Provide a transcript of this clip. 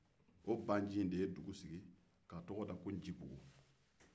o baa nci in de ye dugu sigi k'a tɔgɔ da ko ncibugu